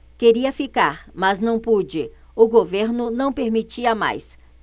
queria ficar mas não pude o governo não permitia mais